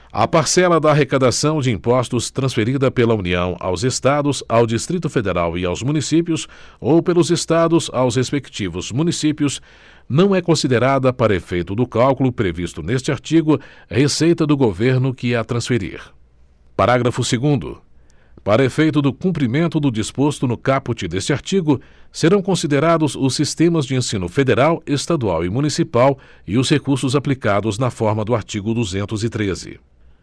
a parcela da arrecadação de impostos transferida pela união aos estados ao distrito federal e aos municípios ou pelos estados aos respectivos municípios não é considerada para efeito do cálculo previsto neste artigo receita do governo que a transferir parágrafo segundo para efeito do cumprimento do disposto no caput deste artigo serão considerados os sistemas de ensino federal estadual e municipal e os recursos aplicados na forma do artigo duzentos e treze